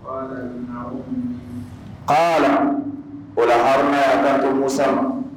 ola Haruna y'a kan to Musa ma